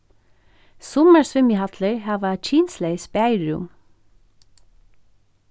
summar svimjihallir hava kynsleys baðirúm